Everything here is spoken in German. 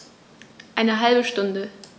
Eine halbe Stunde